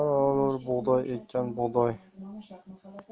olar bug'doy ekkan bug'doy